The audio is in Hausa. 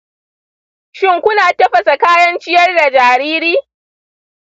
shin kuna tafasa kayan ciyar da jariri?